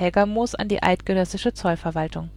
Tägermoos an die Eidgenössische Zollverwaltung